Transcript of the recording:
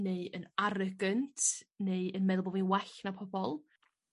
neu yn arrogant neu yn meddwl bo' fi'n well na pobol.